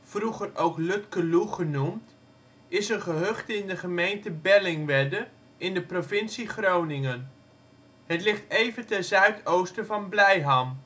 vroeger ook Lutkeloe genoemd, is een gehucht in de gemeente Bellingwedde in de provincie Groningen. Het ligt even ten zuid-oosten van Blijham